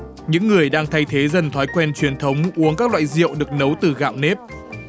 những người đang thay thế dần thói quen truyền thống uống các loại rượu được nấu từ gạo nếp